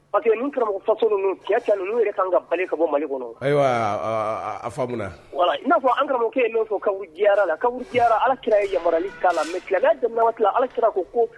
Parce que nin karamɔgɔ façon tiɲɛ tiɲɛ na ninnu yɛrɛ kan ka bani ka bɔ Mali kɔnɔ, ayiwa a faamuna, i n'a fɔ an karamɔgɔkɛ ye min fɔ kabu ziyara la kaburu ziyara Ala Kira ye yamaruyali k' ala mais silamɛya daminɛwaati la Ala Kira ko ko